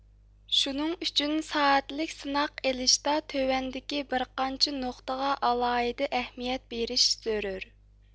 شۇنىڭ ئۈچۈن سائەتلىك سىناق ئېلىشتا تۆۋەندىكى بىر قانچە نۇقتىغا ئالاھىدە ئەھمىيەت بېرىش زۆرۈر